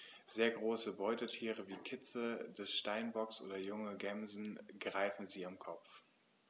Sehr große Beutetiere wie Kitze des Steinbocks oder junge Gämsen greifen sie am Kopf.